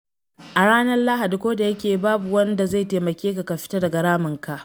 A ranar Lahadi, kodayake, babu wani da zai taimake ka fita daga raminka ba.